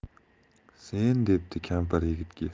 sen debdi kampir yigitga